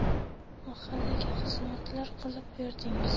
mahallaga xizmatlar qilib berdingiz